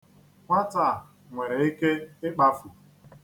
Nwata a nwere ike ịkpafu.